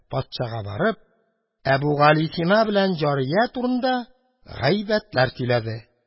Патшага барып, әбүгалисина белән җария турында гайбәтләр сөйләде